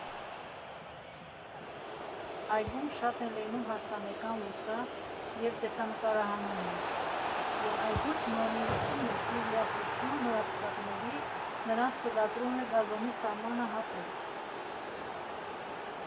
Այգում շատ են լինում հարսանեկան լուսա և տեսանկարահանումներ, և այգու տնօրինությունն ի ուրախություն նորապսակների՝ նրանց թույլատրում է գազոնի սահմանը հատել։